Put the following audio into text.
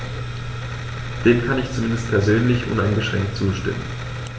Dem kann ich zumindest persönlich uneingeschränkt zustimmen.